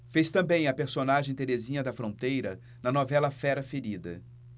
fez também a personagem terezinha da fronteira na novela fera ferida